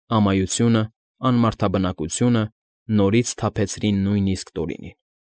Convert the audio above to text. Ամայությունը, անմարդաբնակությունը նորից սթափեցրին նույնիսկ Տորինին։